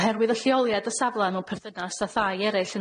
Oherwydd y lleoliad y safla mewn perthynas â thai eryll